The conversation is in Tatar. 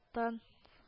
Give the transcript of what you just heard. Тан